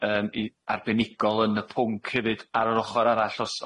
yym i arbenigol yn y pwnc hefyd ar yr ochor arall os